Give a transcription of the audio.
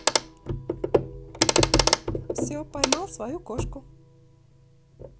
все поймал свою кошку